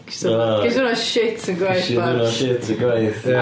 Ges i ddiwrnod... Ges i ddiwrnod shit yn gwaith blods... Ges i ddiwrnod shit yn gwaith, ia.